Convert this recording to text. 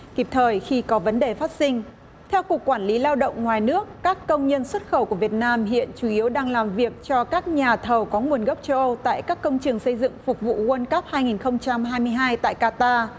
kịp thời khi có vấn đề phát sinh theo cục quản lý lao động ngoài nước các công nhân xuất khẩu của việt nam hiện chủ yếu đang làm việc cho các nhà thầu có nguồn gốc châu âu tại các công trình xây dựng phục vụ guôn cắp hai nghìn không trăm hai mươi hai tại ca ta